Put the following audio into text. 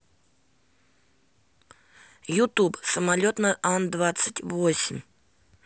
ютуб самолет ан двадцать восемь